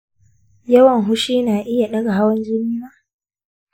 yawan fushi na iya ɗaga hawan jini na?